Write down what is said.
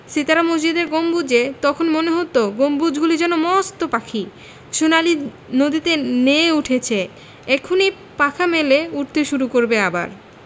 সিতারা মসজিদের গম্বুজে তখন মনে হতো গম্বুজগুলো যেন মস্ত পাখি সোনালি নদীতে নেয়ে উঠেছে এক্ষুনি পাখা মেলে উড়তে শুরু করবে আবার